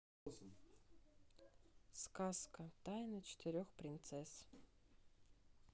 сказка тайна четырех принцесс